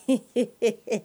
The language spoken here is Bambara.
H